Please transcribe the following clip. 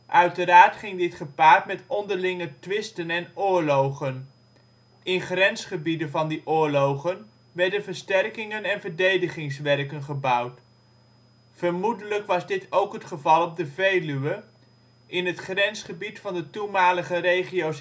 Uiteraard ging dit gepaard met onderlinge twisten en oorlogen. In grensgebieden van die oorlogen werden versterkingen en verdedigingswerken gebouwd. Vermoedelijk was dat ook het geval op de Veluwe, in het grensgebied van de toenmalige regio